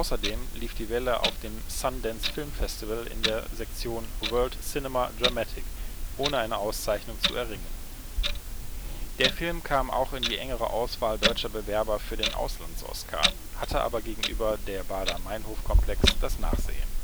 Außerdem lief Die Welle auf dem Sundance Film Festival in der Sektion World Cinema – Dramatic, ohne eine Auszeichnung zu erringen. Der Film kam auch in die engere Auswahl deutscher Bewerber für den Auslands-Oscar, hatte aber gegenüber Der Baader Meinhof Komplex das Nachsehen